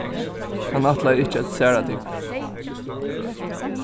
hann ætlaði ikki at særa tykkum